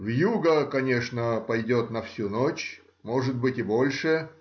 вьюга, конечно, пойдет на всю ночь, может быть и больше.